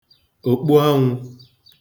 òkpuanwụ̄